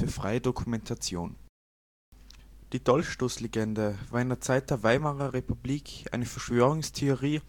freie Dokumentation. Datei:Dolchstoss.jpg Der Dolchstoß - Titelblatt der Süddeutschen Monatshefte, April 1924 Die Dolchstoßlegende war in der Zeit der Weimarer Republik eine Verschwörungstheorie